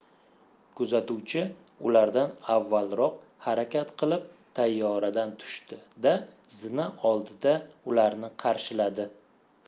kuzatuvchi ulardan avvalroq harakat qilib tayyoradan tushdi da zina oldida ularni qarshiladi